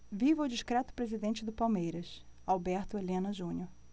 viva o discreto presidente do palmeiras alberto helena junior